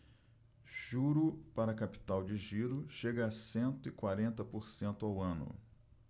juro para capital de giro chega a cento e quarenta por cento ao ano